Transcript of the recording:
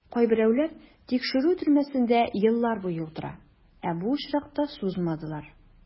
Кайберәүләр тикшерү төрмәсендә еллар буе утыра, ә бу очракта сузмадылар.